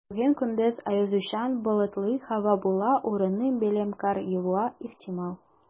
Бүген көндез аязучан болытлы һава була, урыны белән кар явуы ихтимал.